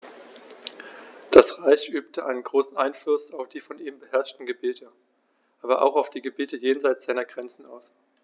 Das Reich übte einen großen Einfluss auf die von ihm beherrschten Gebiete, aber auch auf die Gebiete jenseits seiner Grenzen aus.